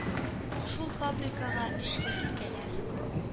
Шул фабрикага эшкә китәләр.